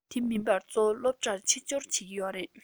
དེ མིན པ གཙོ བོ སློབ གྲྭར ཕྱི འབྱོར བྱེད ཀྱི ཡོད རེད